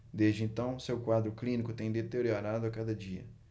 desde então seu quadro clínico tem deteriorado a cada dia